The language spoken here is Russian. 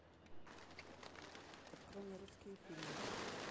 открой мне русские фильмы